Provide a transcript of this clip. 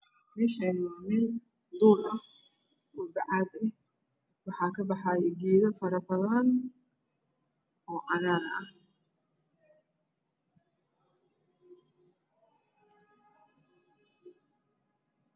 Meeshani waa meel duur ah oo bacaad ah waxaa kabaxayo geedo fara badan oo cagaar ah